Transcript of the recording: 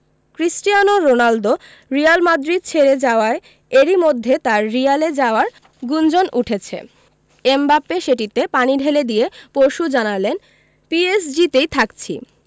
Cristiano Ronaldo Real Madrid ছেড়ে যাওয়ায় এরই মধ্যে তাঁর রিয়ালে যাওয়ার গুঞ্জন উঠেছে এমবাপ্পে সেটিতে পানি ঢেলে দিয়ে পরশু জানালেন পিএসজিতেই থাকছি